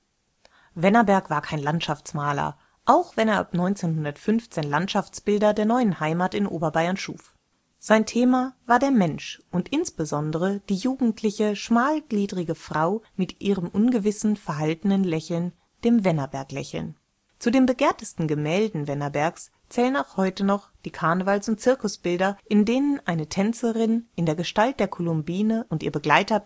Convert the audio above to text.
Wennnerberg war kein Landschaftsmaler, auch wenn er ab 1915 Landschaftsbilder der neuen Heimat in Oberbayern schuf. Sein Thema war der Mensch und insbesondere die jugendliche, schmalgliedrige Frau mit ihrem ungewissen, verhaltenen Lächeln, dem „ Wennerberg-Lächeln “. Zu den begehrtesten Gemälden Wennerbergs zählen heute die Karnevals - und Zirkusbilder, in denen eine Tänzerin in der Gestalt der Columbine und ihr Begleiter